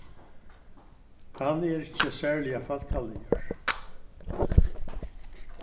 hann er ikki serliga fólkaligur